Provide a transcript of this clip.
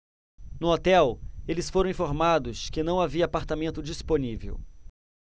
no hotel eles foram informados que não havia apartamento disponível